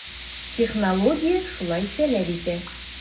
Технология шулай таләп итә.